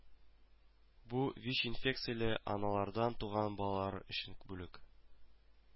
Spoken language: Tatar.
Бу ВИЧ-инфекцияле аналардан туган балалар өчен бүлек